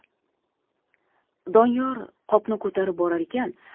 doniyor qopni ko'tarib borar ekan